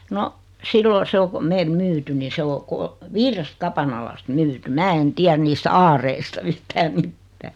no silloin se on kun meille myyty niin se on - viidestä kapanalasta myyty minä en tiedä niistä aareista yhtään mitään